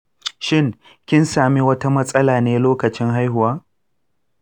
shin kin sami wata matsala ne lokacin haihuwa?